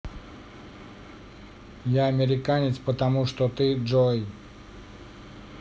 я американец потому что ты джой